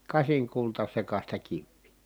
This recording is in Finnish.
kasinkultasekaista kiveä